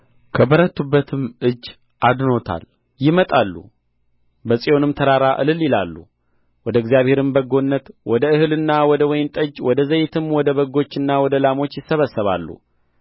ከበረቱበትም እጅ አድኖታል ይመጣሉ በጽዮንም ተራራ እልል ይላሉ ወደ እግዚአብሔርም በጎነት ወደ እህልና ወደ ወይን ጠጅ ወደ ዘይትም ወደ በጎችና ወደ ላሞች ይሰበሰባሉ